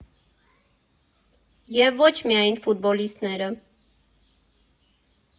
Եվ ոչ միայն ֆուտբոլիստները։